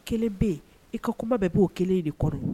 Kelen bɛ yen, i ka kuma bɛɛ b' o kelen de kɔnɔ